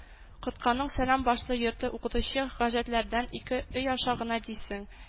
Кортканың салам башлы йорты укытучы хаҗәтләрдән ике өй аша гына, дисең